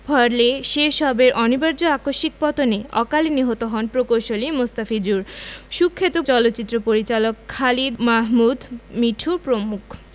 ফলে সে সবের অনিবার্য আকস্মিক পতনে অকালে নিহত হন প্রকৌশলী মোস্তাফিজুর সুখ্যাত চলচ্চিত্র পরিচালক খালিদ মাহমুদ মিঠু প্রমুখ